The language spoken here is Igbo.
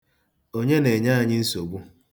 Onye na-enye anyị nsogbu?